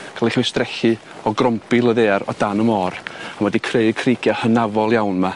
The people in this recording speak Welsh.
ca'l i chwistrellu o grombil y ddaear o dan y môr a ma' 'di creu creigia hynafol iawn yma.